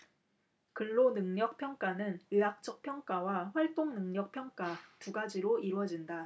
근로능력평가는 의학적 평가와 활동능력 평가 두 가지로 이뤄진다